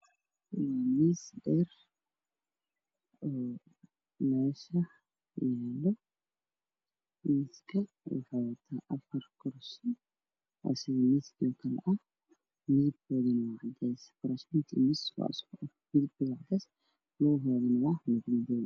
Waa miis dheer hoos tiisa waxaa yaalo kabo baabuud ah